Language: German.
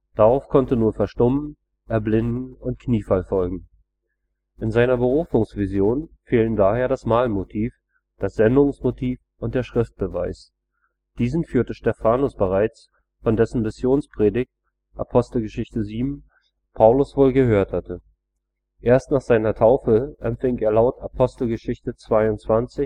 Darauf konnte nur Verstummen, Erblinden und Kniefall folgen. In seiner Berufungsvision fehlen daher das Mahlmotiv, das Sendungsmotiv und der Schriftbeweis: Diesen führte Stefanus bereits, von dessen Missionspredigt (Apg 7) Paulus wohl gehört hatte. Erst nach seiner Taufe empfing er laut Apg 22,16ff